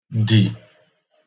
dì